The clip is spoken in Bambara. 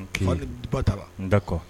Bata da kɔ